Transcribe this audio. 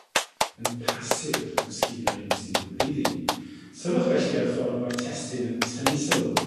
Yn passive yn sgil yr hyn sy'n digwydd iddi. Sylwch felly ar y ffordd ma'r testun yn tynnu sylw